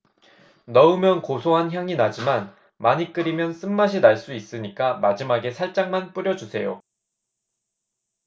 넣으면 고소한 향이 나지만 많이 끓이면 쓴맛이 날 수 있으니까 마지막에 살짝만 뿌려주세요